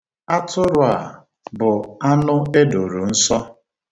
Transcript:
Atụrụ a bụ anụ e doro nsọ.